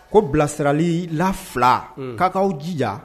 Ko bilasirali la fila ka k'aw jija